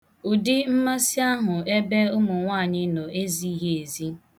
Ụdị mmasị ahụ ebe ụmụnwaanyị nọ ezighi ezi.